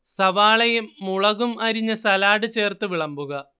സവാളയും മുളകും അരിഞ്ഞ സലാഡ് ചേർത്ത് വിളമ്പുക